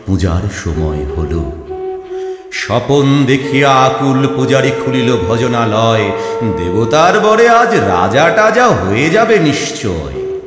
পূজার সময় হল স্বপন দেখিয়া আকুল পূজারী খুলিল ভজনালয় দেবতার বরে আজ রাজা টাজা হয়ে যাবে নিশ্চয়